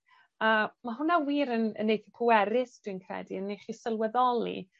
A ma' hwnna wir yn yn eitha pwerus dwi'n credu yn neu' chi sylweddoli